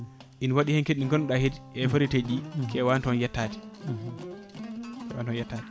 ian waɗi hen kadi ɗi ganduɗa kadi e variété ji ɗi kewani toon yettatde kewani oon yettade